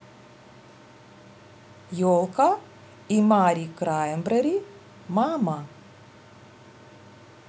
елка и мари краймбрери мама